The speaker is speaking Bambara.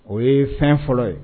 O ye fɛn fɔlɔ ye